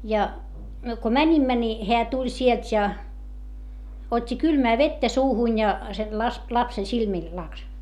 ja me kun menimme niin hän tuli sieltä ja otti kylmää vettä suuhun ja sen - lapsen silmille laski